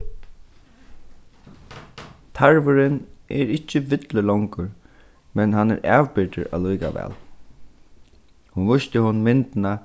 tarvurin er ikki villur longur men hann er avbyrgdur allíkavæl hon vísti honum myndina